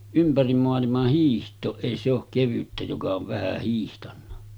ympäri maailman hiihtoon ei se ole kevyttä joka on vähän hiihtänyt